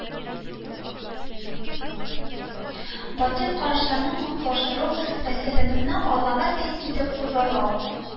Батыйль карашларын мотлаклаштыру, рәсүлебезне аллага тиң итеп күзаллау